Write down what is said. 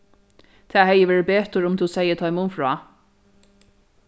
tað hevði verið betur um tú segði teimum frá